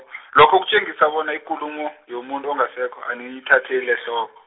lokho kutjengisa bona ikulumo, yomuntu ongasekho, aniyithatheli ehloko.